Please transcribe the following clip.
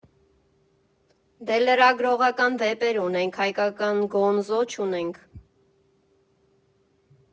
Դե, լրագրողական վեպեր ունենք, հայկական գոնզո չունենք։